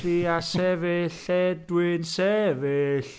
Tria sefyll lle dwi'n sefyll.